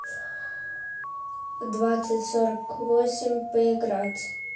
в двадцать сорок восемь поиграть